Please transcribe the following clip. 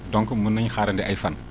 donc mën nañu xaarandi ay fan